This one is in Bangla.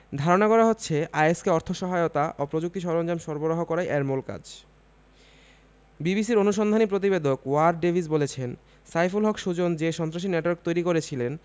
ধারণা করা হচ্ছে আইএস কে অর্থ সহায়তা ও প্রযুক্তি সরঞ্জাম সরবরাহ করাই এর মূল কাজ বিবিসির অনুসন্ধানী প্রতিবেদক ওয়্যার ডেভিস বলছেন সাইফুল হক সুজন যে সন্ত্রাসী নেটওয়ার্ক তৈরি করেছিলেন